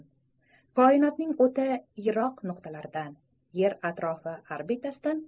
koinotning o'ta yiroq nuqtalaridan yer atrofi orbitasidan